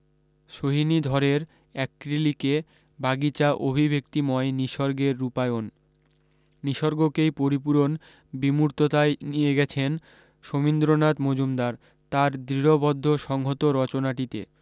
সোহিনী ধরের অ্যাক্রিলিকে বাগিচা অভিব্যক্তিময় নিসর্গের রূপায়ণ নিসর্গকেই পরিপূরণ বিমূর্ততায় নিয়ে গেছেন শমীন্দ্রনাথ মজুমদার তার দৃঢ়বদ্ধ সংহত রচনাটিতে